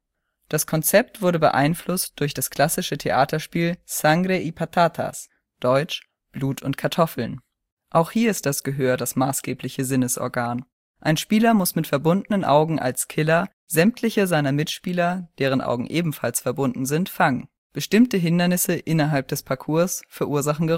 Das Konzept wurde beeinflusst durch das klassische Theaterspiel Sangre y Patatas (deutsch: Blut und Kartoffeln). Auch hier ist das Gehör das maßgebliche Sinnesorgan. Ein Spieler muss mit verbundenen Augen als „ Killer “sämtliche seiner Mitspieler, deren Augen ebenfalls verbunden sind, fangen. Bestimmte Hindernisse innerhalb des Parcours verursachen